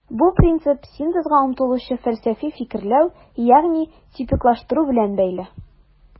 Бу принцип синтезга омтылучы фәлсәфи фикерләү, ягъни типиклаштыру белән бәйле.